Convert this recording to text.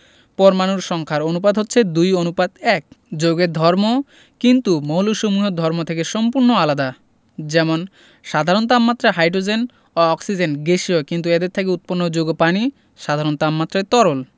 পরমাণুর সংখ্যার অনুপাত হচ্ছে ২ অনুপাত ১যৌগের ধর্ম কিন্তু মৌলসমূহের ধর্ম থেকে সম্পূর্ণ আলাদা যেমন সাধারণ তাপমাত্রায় হাইড্রোজেন অ অক্সিজেন গ্যাসীয় কিন্তু এদের থেকে উৎপন্ন যৌগ পানি সাধারণ তাপমাত্রায় তরল